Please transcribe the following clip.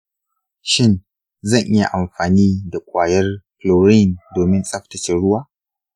shin zan iya amfani da ƙwayar chlorine domin tsaftace ruwa?